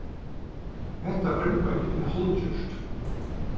hetta arbeiðið er hálvgjørt